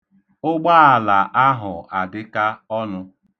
Ụgbaala ahụ adịka ọnụ.